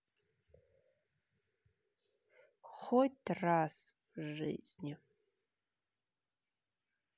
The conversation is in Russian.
хоть раз в жизни